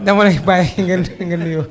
dama lay bàyyi nga nga nuyoo